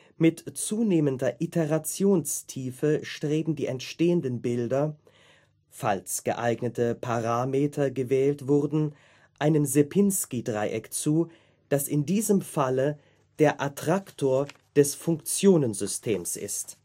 Mit zunehmender Iterationstiefe streben die entstehenden Bilder, falls geeignete Parameter gewählt wurden, einem Sierpinski-Dreieck zu, das in diesem Falle der Attraktor des Funktionensystems ist